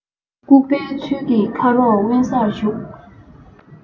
ལྐུགས པའི ཚུལ གྱིས ཁ རོག དབེན སར བཞུགས